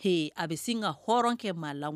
H a bɛ sin ka hɔrɔn kɛ ma la